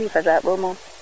i fasaɓo moom